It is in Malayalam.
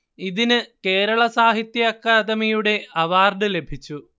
ഇതിന് കേരള സാഹിത്യ അക്കാദമിയുടെ അവാർഡ് ലഭിച്ചു